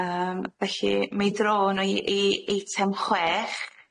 Yym felly mi droon ni i eitem chwech.